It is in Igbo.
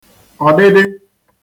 -ọ̀dịdị